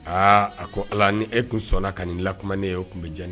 Aa a ko Ala ni ne tun sɔnna ka nin lakuma ne ye, a tun bɛ diya ne ye.